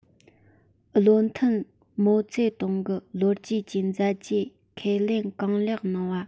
བློ མཐུན མའོ ཙེ ཏུང གི ལོ རྒྱུས ཀྱི མཛད རྗེས ཁས ལེན གང ལེགས གནང བ